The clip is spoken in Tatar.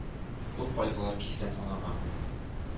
Күп кайгылар кичкән анага.